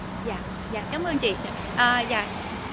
dạ dạ cảm ơn chị à dạ